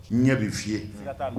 Ɲɛ bɛ fii